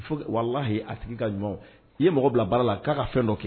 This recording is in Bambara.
Wala a sigi ka ɲɔgɔn i ye mɔgɔ bila baara la k'a ka fɛn dɔ kɛ